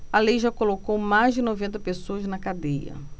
a lei já colocou mais de noventa pessoas na cadeia